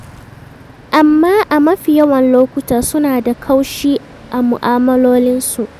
Amma a mafi yawan lokuta suna da kaushi a mu'amalolinsu.